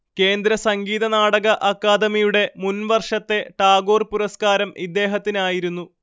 കേന്ദ്രസംഗീതനാടക അക്കാദമിയുടെ മുൻവർഷത്തെ ടാഗോർ പുരസ്കാരം ഇദ്ദേഹത്തിനായിരുന്നു